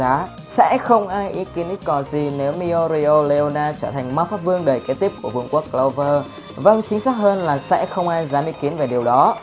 sẽ không ai ý kiến ý cò gì nếu meoreoleona trở thành mpv đời kế tiếp của vương quốc clover vâng chính xác hơn là sẽ không ai dám ý kiến về điều đó